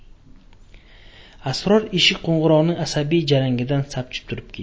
sror eshik qo'ng'irog'ining asabiy jarangidan sapchib turib ketdi